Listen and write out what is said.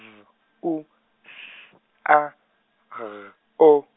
V U F A R O.